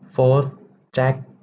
โฟธแจ็ค